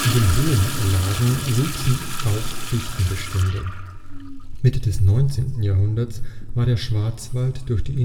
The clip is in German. den Höhenlagen wuchsen auch Fichtenbestände. Mitte des 19. Jahrhunderts war der Schwarzwald durch die